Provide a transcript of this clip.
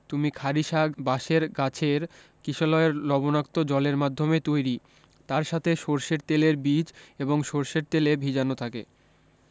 তুমি খারিসা বাশের গাছের কিশলয়ের লবণাক্ত জলের মাধ্যমে তৈরী তার সাথে সরষের তেলের বীজ এবং সরষের তেলে ভিজানো থাকে